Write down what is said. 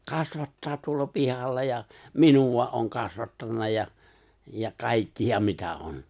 kasvattaa tuolla pihalla ja minua on kasvattanut ja ja kaikkia mitä on